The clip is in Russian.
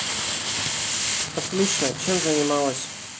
отлично чем занималась